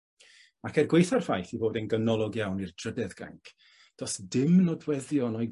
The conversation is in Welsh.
Ac er gwaetha'r ffaith 'i fod e'n ganolog iawn i'r trydydd gainc, do' s dim nodweddion o'i